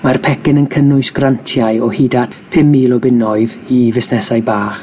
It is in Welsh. Mae'r pecyn yn cynnwys grantiau o hyd at pum mil o bunnoedd i fusnesau bach